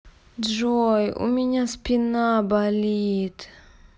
джой у меня спина болит